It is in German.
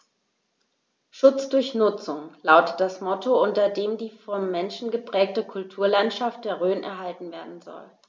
„Schutz durch Nutzung“ lautet das Motto, unter dem die vom Menschen geprägte Kulturlandschaft der Rhön erhalten werden soll.